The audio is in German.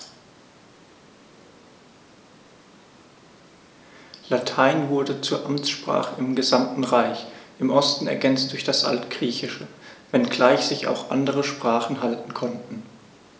Latein wurde zur Amtssprache im gesamten Reich (im Osten ergänzt durch das Altgriechische), wenngleich sich auch andere Sprachen halten konnten.